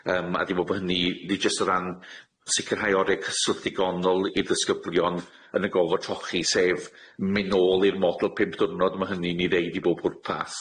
Yym, a dwi me'wl bo' hynny, nid jyst o ran sicirhau orie cyswllt digonol i'r disgyblion yn y gofod trochi, sef myn' nôl i'r model pump dwrnod ma' hynny'n 'i ddeud i bob pwrpas.